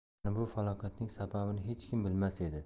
yana bu falokatning sababini hech kim bilmas edi